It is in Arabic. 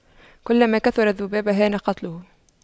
كلما كثر الذباب هان قتله